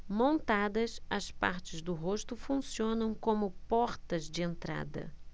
montadas as partes do rosto funcionam como portas de entrada